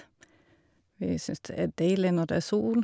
Vi syns det er deilig når det er sol.